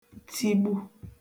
tigbu